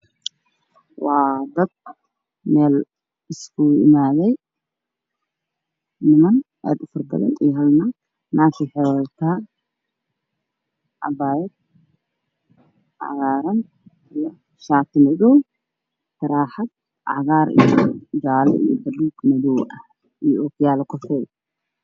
Waa meel xaflad la isku imaaday niman iyo naago naagta u saareyso waxay wadataa abaayad cagaar taro xad xijaab madow niman ayaa ka dambeeya